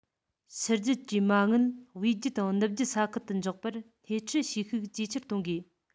ཕྱི རྒྱལ གྱི མ དངུལ དབུས རྒྱུད དང ནུབ རྒྱུད ས ཁུལ དུ འཇོག པར སྣེ ཁྲིད བྱེད ཤུགས ཇེ ཆེར གཏོང དགོས